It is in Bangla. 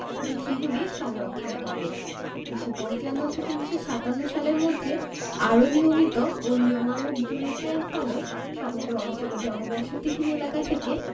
এবং সেগুলি সংরক্ষণ করে ১৯৫৫ থেকে ১৯৫৭ সালের মধ্যে আরও নিয়মিত ও নিয়মানুগ জরিপের ফলে সমগ্র অঞ্চলের জনবসতিহীন এলাকা থেকে